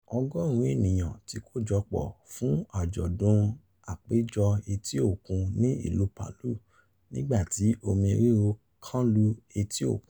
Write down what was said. Ọgọrùn-ún ènìyàn ti kójọpọ̀ fún àjọ̀dún àpéjọ etí òkun ní ìlú Palu nígbà tí omi rírú kánlu etí òkun.